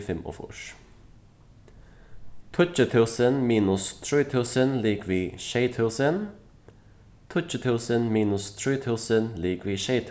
fimmogfýrs tíggju túsund minus trý túsund ligvið sjey túsund tíggju túsund minus trý túsund ligvið sjey